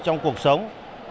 trong cuộc sống